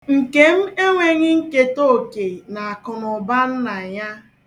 Nkem enweghị nketa oke n'akụnụụba nna ya.